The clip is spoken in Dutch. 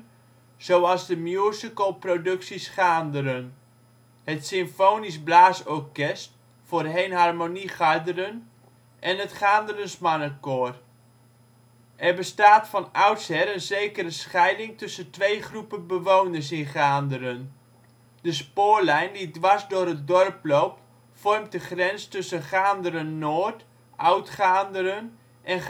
zoals de Musical Producties Gaanderen, het Symfonisch Blaasorkest (voorheen Harmonie Gaanderen) en het Gaanderens Mannenkoor. Er bestaat van oudsher een zekere scheiding tussen twee groepen bewoners van Gaanderen. De spoorlijn die dwars door het dorp loopt, vormt de grens tussen Gaanderen-Noord (' Oud-Gaanderen ') en